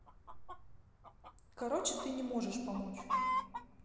короче ты не можешь помочь